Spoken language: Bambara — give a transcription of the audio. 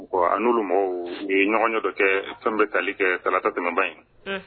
Bon a n'olu mɔgɔw,u ye ɲɔgɔnye dɔ kɛ fɛn min bɛ tali kɛ kalata tɛmɛnba in; Un.